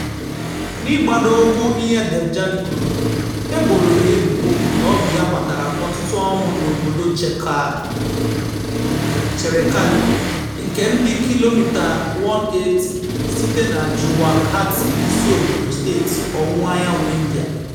N'igbadoụkwụ n'ihe Debjani kwuru, e boro ya ebubo na ọ bụ ya kpatara ọtụtụ ọnwụ n'obodo Cherekali nke dị kilomita 180 site na Guwahati, isiobodo steeti ọwụwaanyanwụ India.